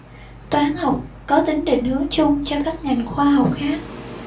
toán học có tính định hướng chung cho các ngành khoa học khác